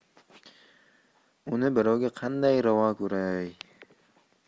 uni birovga qanday ravo ko'ray